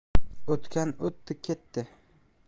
o'tgan o'tdi ketdi